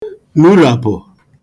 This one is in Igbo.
nuràpụ̀